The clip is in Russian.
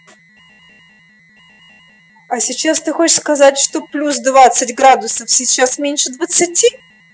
а сейчас ты хочешь сказать что плюс двадцать градусов сейчас меньше двадцати